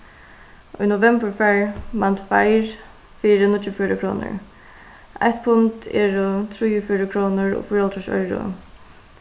í novembur fær mann tveir fyri níggjuogfjøruti krónur eitt pund eru trýogfjøruti krónur og fýraoghálvtrýss oyru